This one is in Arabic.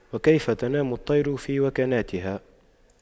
وكيف تنام الطير في وكناتها